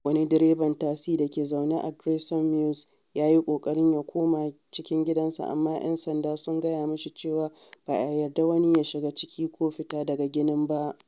Wani direban tasi da ke zaune a Grayson Mews ya yi ƙoƙarin ya koma cikin gidansa amma ‘yan sanda sun gaya masa cewa ba a yarda wani ya shiga ciki ko fita daga ginin ba.